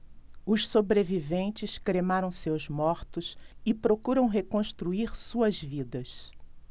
os sobreviventes cremaram seus mortos e procuram reconstruir suas vidas